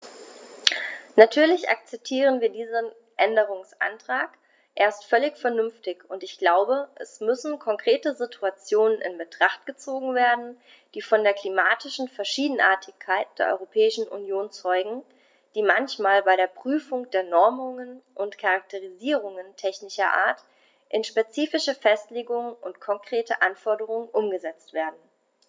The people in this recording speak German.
Natürlich akzeptieren wir diesen Änderungsantrag, er ist völlig vernünftig, und ich glaube, es müssen konkrete Situationen in Betracht gezogen werden, die von der klimatischen Verschiedenartigkeit der Europäischen Union zeugen, die manchmal bei der Prüfung der Normungen und Charakterisierungen technischer Art in spezifische Festlegungen und konkrete Anforderungen umgesetzt werden.